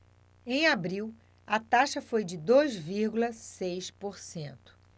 em abril a taxa foi de dois vírgula seis por cento